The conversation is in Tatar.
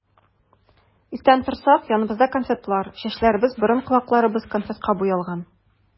Иртән торсак, яныбызда конфетлар, чәчләребез, борын-колакларыбыз конфетка буялган.